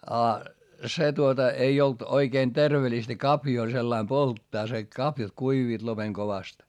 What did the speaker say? ja se tuota ei ollut oikein terveellistä kaviota sillä lailla polttaa se kaviot kuivuivat lopen kovasti